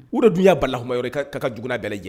O de dun y'a balalahama yɔrɔ ye ka ka j bɛɛ lajɛlen